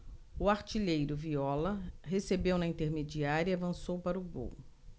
o artilheiro viola recebeu na intermediária e avançou para o gol